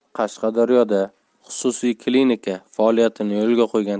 qashqadaryoda xususiy klinika faoliyatini yo'lga